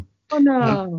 O na.